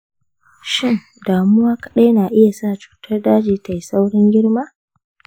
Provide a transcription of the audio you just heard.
shin damuwa kaɗai na iya sa cutar daji ta yi saurin girma?